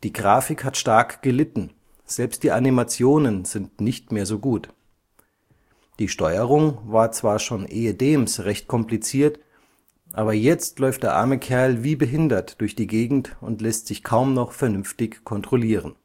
Grafik hat stark gelitten, selbst die Animationen sind nicht mehr so gut. [...] Die Steuerung war zwar schon ehedems recht kompliziert, aber jetzt läuft der arme Kerl wie behindert durch die Gegend und lässt sich kaum noch vernünftig kontrollieren